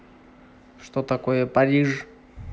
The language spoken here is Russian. что такое париж